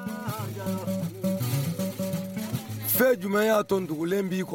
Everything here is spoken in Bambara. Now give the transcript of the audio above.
Fɛn jumɛn y'a tɔn dugulen b